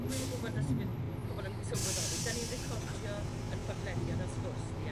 dwi'm yn gwbod os fydd pobl yn sylweddoli dan ni'n recordio 'yn podlediad yn sgwrs ni